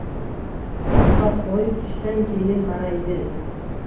oqsoq qo'y tushdan keyin ma'raydi